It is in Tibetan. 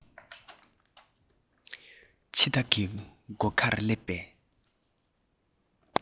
འཆི བདག གི སྒོ ཁར སླེབས པའི